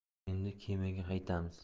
endi kemaga qaytamiz